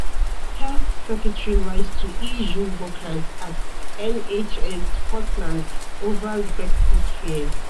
Health secretary writes to EU workers at NHS Scotland over Brexit fears